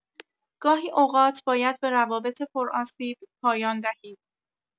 گاهی اوقات باید به روابط پرآسیب پایان دهید.